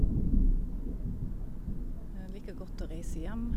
Liker godt å reise hjem.